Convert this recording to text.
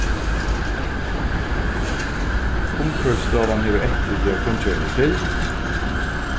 umhvørvisstovan hevur eftirlit við at kunngerðin verður fylgd